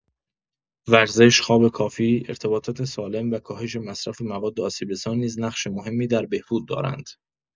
ورزش، خواب کافی، ارتباطات سالم و کاهش مصرف مواد آسیب‌رسان نیز نقش مهمی در بهبود دارند.